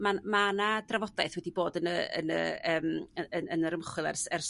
ma' ma' 'na drafodaeth wedi bod yn y yn y yym yn yr ymchwil er- ers